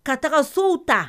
Ka taga sow ta